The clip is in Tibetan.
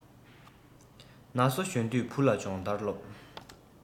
ན སོ གཞོན དུས བུ ལ སྦྱོང ཐར སློབས